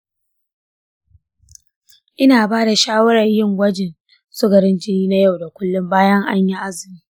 ina ba da shawarar yin gwajin sukarin jini na yau da kullum bayan an yi azumi .